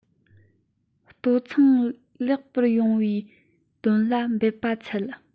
ལྟོ ཚང ལེགས པར ཡོང བའི དོན ལ འབད པ ཚལ